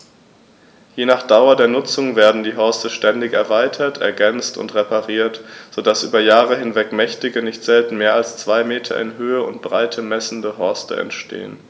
Je nach Dauer der Nutzung werden die Horste ständig erweitert, ergänzt und repariert, so dass über Jahre hinweg mächtige, nicht selten mehr als zwei Meter in Höhe und Breite messende Horste entstehen.